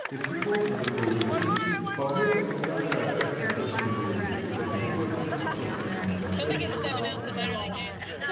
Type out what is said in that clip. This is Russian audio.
Костяков на другой же день повлек Александра опять на рыбную ловлю и таким образом по собственному заклятию стал анафемой.